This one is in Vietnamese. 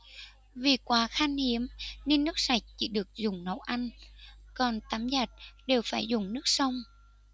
vì quá khan hiếm nên nước sạch chỉ được dùng nấu ăn còn tắm giặt đều phải dùng nước sông